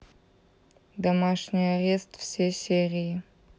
домашний арест все серии